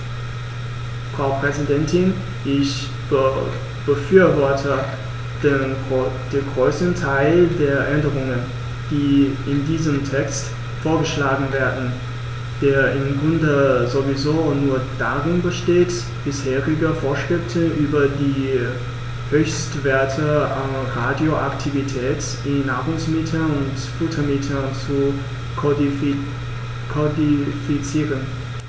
Frau Präsidentin, ich befürworte den größten Teil der Änderungen, die in diesem Text vorgeschlagen werden, der im Grunde sowieso nur darin besteht, bisherige Vorschriften über die Höchstwerte an Radioaktivität in Nahrungsmitteln und Futtermitteln zu kodifizieren.